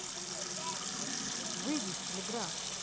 выйди из телеграмм